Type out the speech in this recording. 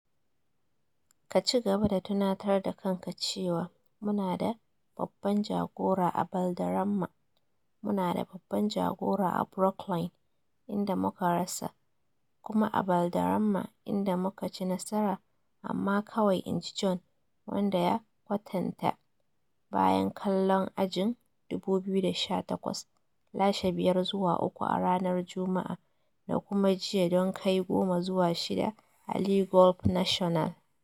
"Ka ci gaba da tunatar da kanka cewa mu na da babban jagora a Valderrama, mu na da babban jagora a Brookline, inda muka rasa, kuma a Valderrama, inda muka ci nasara, amma kawai," inji Bjorn, wanda ya kwatanta, bayan kallon Ajin 2018 lashe 5-3 a ranar Jumma'a da kuma jiya don kai 10-6 a Le Golf National.